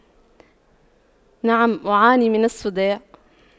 نعم أعاني من الصداع